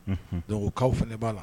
Dɔnkuckaw fana ne b'a la